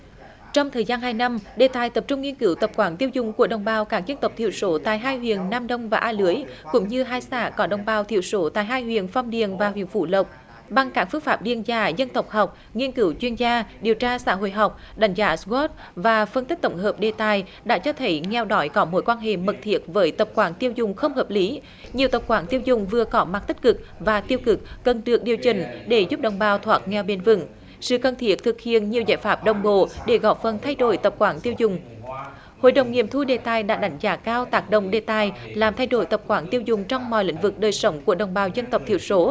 trong thời gian hai năm đề tài tập trung nghiên cứu tập quán tiêu dùng của đồng bào các dân tộc thiểu số tại hai huyện nam đông và a lưới cũng như hai xã có đồng bào thiểu số tại hai huyện phong điền vào phiếu phủ lộc bằng các phương pháp điền dã dân tộc học nghiên cứu chuyên gia điều tra xã hội học đánh giá gốt và phân tích tổng hợp đề tài đã cho thấy nghèo đói có mối quan hệ mật thiết với tập quán tiêu dùng không hợp lý nhiều tập quán tiêu dùng vừa có mặt tích cực và tiêu cực cần tự điều chỉnh để giúp đồng bào thoát nghèo bền vững sự cần thiết thực hiện nhiều giải pháp đồng bộ để góp phần thay đổi tập quán tiêu dùng hội đồng nghiệm thu đề tài đã đánh giá cao tác động đề tài làm thay đổi tập quán tiêu dùng trong mọi lĩnh vực đời sống của đồng bào dân tộc thiểu số